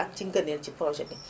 ak ci ngëneel ci projet bi